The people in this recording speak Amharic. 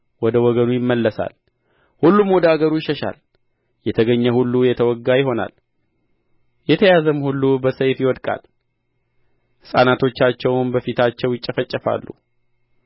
ወደ ወገኑ ይመለሳል ሁሉም ወደ አገሩ ይሸሻል የተገኘ ሁሉ የተወጋ ይሆናል የተያዘም ሁሉ በሰይፍ ይወድቃል ሕፃናቶቻቸውም በፊታቸው ይጨፈጨፋሉ